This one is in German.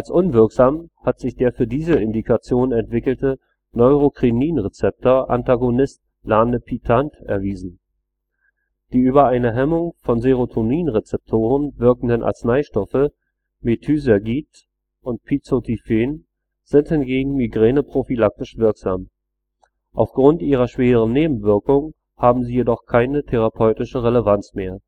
unwirksam hat sich der für diese Indikation entwickelte Neurokininrezeptor-Antagonist Lanepitant erwiesen. Die über eine Hemmung von Serotoninrezeptoren wirkenden Arzneistoffe Methysergid und Pizotifen sind hingegen migräneprophylaktisch wirksam. Auf Grund ihrer schweren Nebenwirkungen haben sie jedoch keine therapeutische Relevanz mehr